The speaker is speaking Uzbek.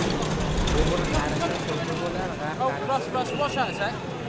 o'g'ri qarisa so'fi bo'lar g'ar qarisa otin bo'lar